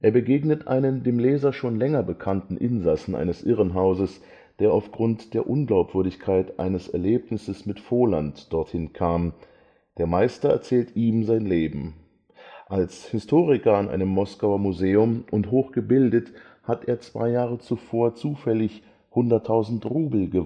begegnet einem dem Leser schon länger bekannten Insassen eines Irrenhauses, der aufgrund der Unglaubwürdigkeit eines Erlebnisses mit Voland dorthin kam. Der Meister erzählt ihm sein Leben: Als Historiker an einem Moskauer Museum und hochgebildet, hat er zwei Jahre zuvor zufällig hunderttausend Rubel